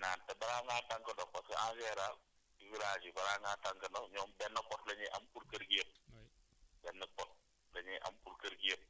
naan te balaa ngaa tànq ndox parce en général ci village yi balaa ngaa tànq ndox ñoom benn pot la ñuy am pour kër gi yëpp